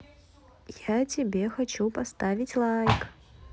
я тебе хочу поставить лайк